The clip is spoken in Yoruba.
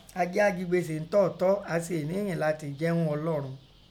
A jẹ́ ajigbese ńtọ̀ọ́tọ́, a sèé ní ìyìn láti jẹ́ ún Ọlọ́un